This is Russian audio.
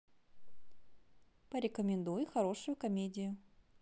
порекомендуй хорошую комедию